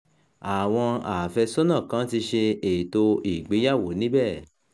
Àwọn àfẹ́sọ́nà kan ti ṣe ètò ìgbéyàwó níbé.